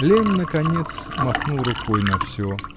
Лемм, наконец, махнул рукой на все